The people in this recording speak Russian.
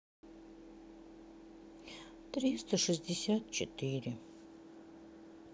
триста шестьдесят четыре